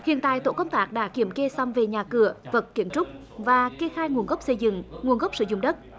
hiện tại tổ công tác đã kiểm kê xong về nhà cửa vật kiến trúc và kê khai nguồn gốc xây dựng nguồn gốc sử dụng đất